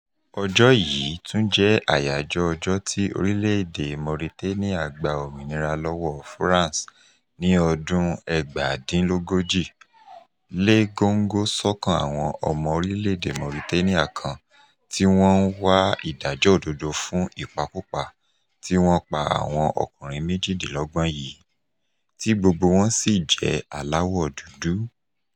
Ọjọ́ yìí, tún jẹ́ àyájọ́ ọjọ́ tí orílẹ̀-èdè Mauritania gba òmìnira lọ́wọ́ France ní ọdún 1960, lé góńgó sọ́kàn àwọn ọmọ orílẹ̀-èdè Mauritania kan tí wọ́n ń wá ìdájọ́ òdodo fún ìpakúpa tí wọ́n pa àwọn ọkùnrin 28 yìí, tí gbogbo wọn sì jẹ́ aláwọ̀ dúdú.